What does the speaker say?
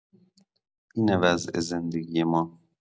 اینه وضع زندگی ما